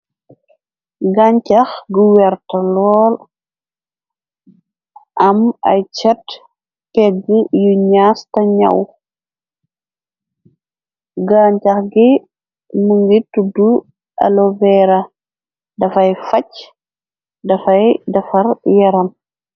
Gancax guwerta lool am ay cat kegg yu ñaas ta ñaw gancax gi mu ngi tudd aloveera dafay facj dafay defar yaram.